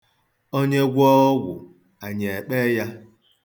Onye gwọọ ọgwụ, anyị ekpee ya.